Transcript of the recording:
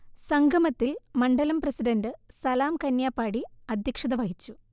സംഗമത്തിൽ മണ്ഢലം പ്രസിഡന്റ് സലാം കന്ന്യപ്പാടി അദ്ധ്യക്ഷത വഹിച്ചു